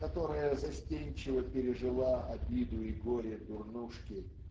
которая застенчиво пережила обиду и горе дурнушки